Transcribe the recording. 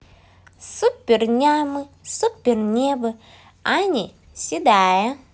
супер нямы супер небо ани седая